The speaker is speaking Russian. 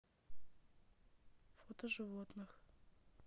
фото животных